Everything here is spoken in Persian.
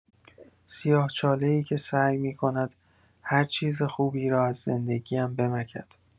سیاه‌چاله‌ای که سعی می‌کند هرچیز خوبی را از زندگی‌ام بمکد.